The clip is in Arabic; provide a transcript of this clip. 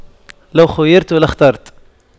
لو خُيِّرْتُ لاخترت